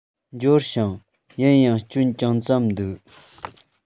འབྱོར བྱུང ཡིན ཡང སྐྱོན ཅུང ཙམ འདུག